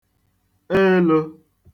elō